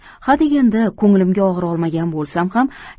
hadeganda ko'nglimga og'ir olmagan bo'lsam ham